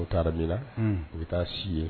O taara miina unh u bi taa si ye n